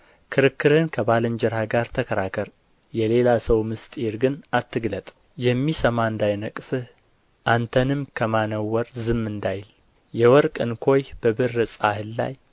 ክርክርህን ከባልንጀራህ ጋር ተከራከር የሌላ ሰው ምሥጢር ግን አትግለጥ የሚሰማ እንዳይነቅፍህ አንተንም ከማነወር ዝም እንዳይል የወርቅ እንኮይ በብር ፃሕል ላይ